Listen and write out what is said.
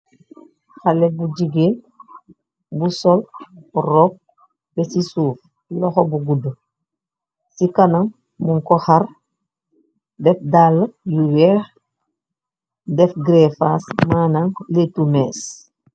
Xale bu jigeen bu sol robb bex si suuf loxo bu gudu si kanam nyun ko xaar def daala yu weex def gerefass manam laytu mess.